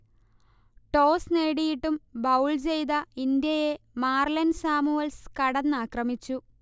toss നേടിയിട്ടും bowl ചെയ്ത ഇന്ത്യയെ മാർലൺ സാമുവൽസ് കടന്നാക്രമിച്ചു